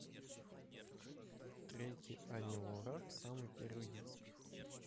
треки ани лорак самый первый диск